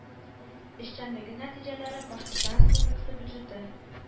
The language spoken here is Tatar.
Эшчәнлеге нәтиҗәләрен башкортстан республикасы бюджеты